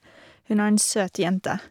Hun er en søt jente.